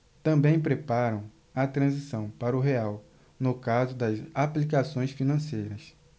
também preparam a transição para o real no caso das aplicações financeiras